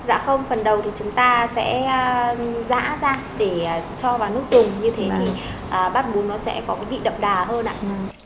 dạ không phần đầu thì chúng ta sẽ giã ra để cho vào nước dùng như thế thì à bát bún nó sẽ có cái vị đậm đà hơn ạ